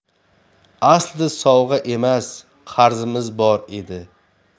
aslida sovg'a emas qarzimiz bor edi